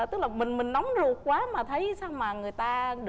tức là mình mình nóng ruột quá mà thấy sao mà người ta được